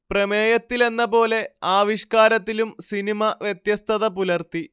പ്രമേയത്തിലെന്ന പോലെ ആവിഷ്കാരത്തിലും സിനിമ വ്യത്യസ്തത പുലർത്തി